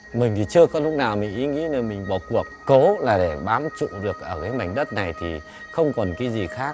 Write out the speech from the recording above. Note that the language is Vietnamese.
mình thì chưa có lúc nào mình ý nghĩ là mình bỏ cuộc cố là để bám trụ được ở cái mảnh đất này thì không còn cái gì khác